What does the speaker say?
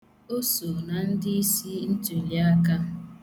O so na ndị isi ntuliaka.